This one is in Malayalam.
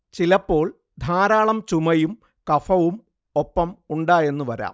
ചിലപ്പോൾ ധാരാളം ചുമയും കഫവും ഒപ്പം ഉണ്ടായെന്ന് വരാം